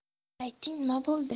ayting nima bo'ldi